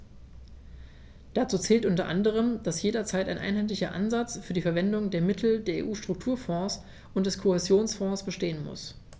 Dazu zählt u. a., dass jederzeit ein einheitlicher Ansatz für die Verwendung der Mittel der EU-Strukturfonds und des Kohäsionsfonds bestehen muss.